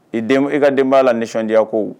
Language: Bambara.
I denb i ka denbaya la nisɔndiya kow